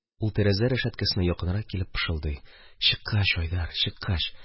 Ул тәрәзә рәшәткәсенә якынрак килеп пышылдый: – Чыккач, Айдар, чыккач